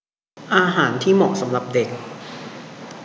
อาหารที่เหมาะสำหรับเด็ก